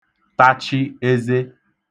tachi eze